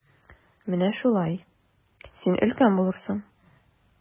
Менә шулай, син өлкән булырсың.